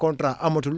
contrat amatul